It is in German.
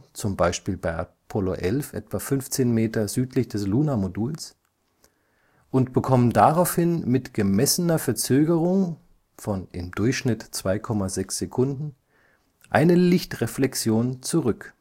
zum Beispiel bei Apollo 11 etwa 15 Meter südlich des Lunar-Moduls) liegenden Retroreflektoren und bekommen daraufhin mit gemessener Verzögerung (durchschnittlich 2,6 Sekunden) eine Lichtreflexion zurück